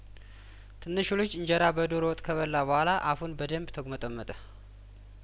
ትንሹ ልጅ እንጀራ በዶሮ ወጥ ከበላ በኋላ አፉን በደምብ ተጉመጠመጠ